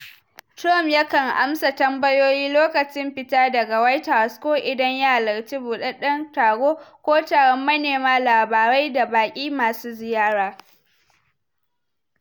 Trump yakan amsa tambayoyi lokacin fita daga White House ko idan ya hallarci budaden taro ko taron manema labarai da baki masu ziyara.